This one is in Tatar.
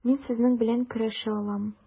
Мин сезнең белән көрәшә алам.